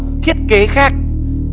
thiết kế khác